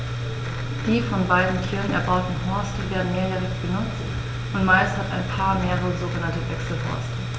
Die von beiden Tieren erbauten Horste werden mehrjährig benutzt, und meist hat ein Paar mehrere sogenannte Wechselhorste.